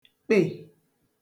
kpè